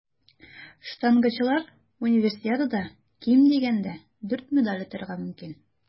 Штангачылар Универсиадада ким дигәндә дүрт медаль отарга мөмкин.